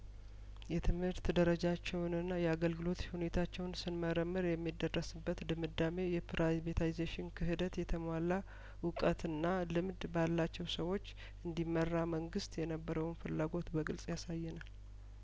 የትምህርት ደረጃቸውንና የአገልግሎት ሁኔታቸውን ስንመረምር የሚደረስ በት ድምዳሜ የፕራይቬታይዜሽን ክህደት የተሟላ እውቀትና ልምድ ባላቸው ሰዎች እንዲመራ መንግስት የነበረውን ፍላጐት በግልጽ ያሳየናል